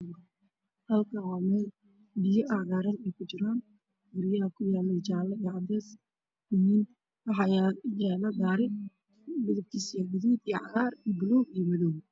Halkaan waa meel ay biyo cagaaran ku jiraan guryaha ku yaalo yihiin cagaar